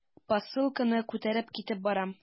Посылканы күтәреп китеп бара.